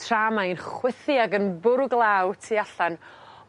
tra mae'n chwythu ag yn bwrw glaw tu allan.